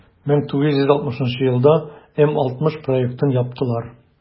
1960 елда м-60 проектын яптылар.